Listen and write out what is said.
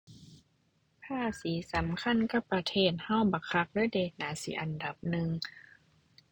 ภาษีสำคัญกับประเทศเราบักคักเลยเดะ น่าสิอันดับหนึ่ง